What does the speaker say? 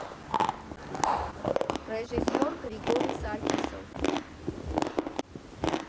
Ռեժիսոր՝ Գրիգորի Սարկիսով։